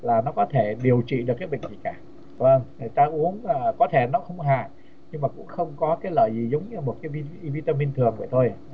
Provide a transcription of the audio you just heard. là nó có thể điều trị được cái bệnh gì cả và người ta uống có thể nó không hại nhưng mà cũng không có cái lợi gì giống như một viên vi ta min thường vậy thôi